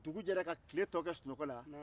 dugu jɛra ka tile tɔ kɛ sunɔgɔ la